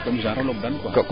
comme genre o log daan quoi